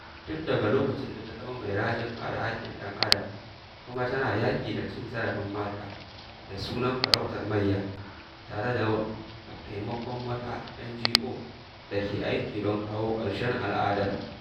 Tun daga lokacin ta zama mai rajin kare haƙƙin ɗan adam, kuma tana yaƙi da cin zarafin mata da sunan farautar mayya tare da taimakon wata NGO da ke aiki don kawo ƙarshen al'adar.